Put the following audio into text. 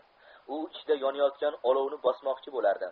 u ichida yonayotgan olovni bosmoqchi bo'lardi